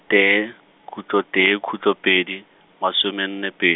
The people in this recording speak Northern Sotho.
tee, khutlo tee, khutlo pedi, masome nne pe-.